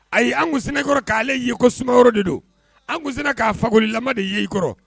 Ayi an tun sena kɔrɔ k'ale ye ko Sumaworo de don an kun se k'a Fakolilama de ye i kɔrɔ.